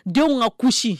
Denw ka kusi